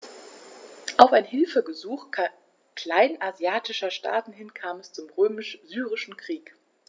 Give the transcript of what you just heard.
Auf ein Hilfegesuch kleinasiatischer Staaten hin kam es zum Römisch-Syrischen Krieg.